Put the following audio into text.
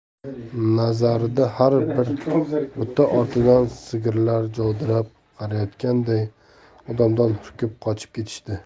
nazarida har bir buta ortidan sigirlar javdirab qarayotganday odamdan hurkib qochib ketishdi